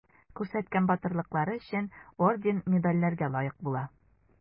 Күрсәткән батырлыклары өчен орден-медальләргә лаек була.